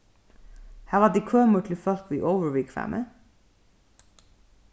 hava tit kømur til fólk við ovurviðkvæmi